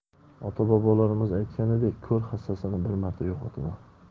ota bobolarimiz aytganidek ko'r hassasini bir marta yo'qotadi